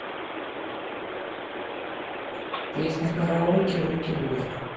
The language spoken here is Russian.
песня караоке руки вверх